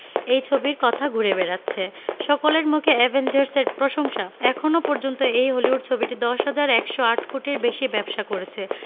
এই ছবির কথা ঘুরে বেড়াচ্ছে সকলের মুখে অ্যাভেঞ্জার্স এর প্রশংসা এখনও পর্যন্ত এই হলিউড ছবিটি ১০১০৮ কোটির বেশি ব্যবসা করেছে